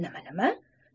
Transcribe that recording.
nima nima